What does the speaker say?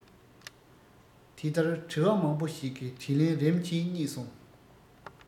དེ ལྟར དྲི བ མང པོ ཞིག གི དྲིས ལན རིམ གྱིས རྙེད སོང